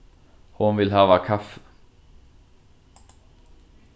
hon vil hava kaffi